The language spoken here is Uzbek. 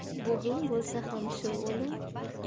bugun bo'lsa ham shu o'lim